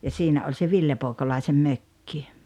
ja siinä oli se Ville Poikolaisen mökki